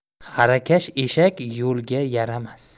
xarakash eshak yo'lga yaramas